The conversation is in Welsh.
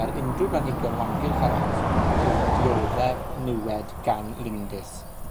ar unryw blanhigion o amgylch yr ardd sydd yn dioddef niwed gan lindys.